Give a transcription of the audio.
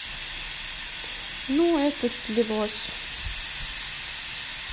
ну это слилось